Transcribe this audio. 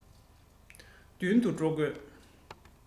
མདུན དུ འགྲོ དགོས